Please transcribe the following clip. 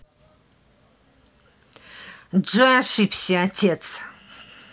джой ошибся отец